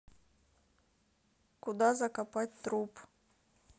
куда закопать труп